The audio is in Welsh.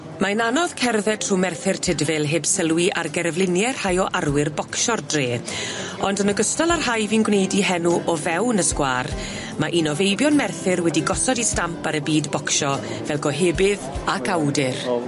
Mae'n anodd cerdded trw Merthyr Tydfil heb sylwi ar gerflunie rhai o arwyr bocsio'r dre ond yn ogystal â rhai fu'n gwneud 'u henw o fewn y sgwâr ma' un o feibion Merthyr wedi gosod 'i stamp ar y byd bocsio fel gohebydd ac awdur.